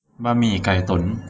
บะหมี่ไก่ตุ่น